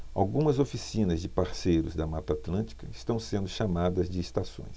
algumas oficinas de parceiros da mata atlântica estão sendo chamadas de estações